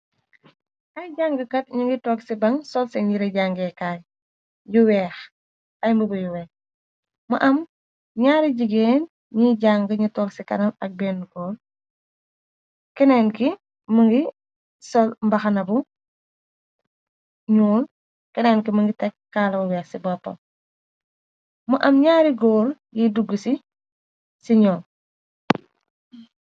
Ay jàngkat ñu ngi tog ci baŋ sol si njiri jàngeekaay yu weex ay mu buyu we mu am ñaari jigéen ñiy jàng ñu tog ci kanam ak benn góor keneen ki mu ngi sol mbaxana bu ñuul keneen ki mu ngi te kaalawu weex ci bopp mu am ñaari góor yiy dugg ci ci ñool.